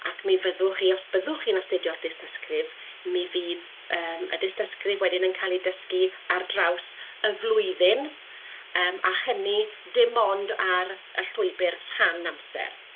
ac mi fyddwch chi os byddwch chi'n astudio'r dystysgrif, mi fydd yym y dystysgrif wedyn yn cael ei dysgu ar draws y flwyddyn, yym, a hynny dim ond ar y llwybr rhan amser.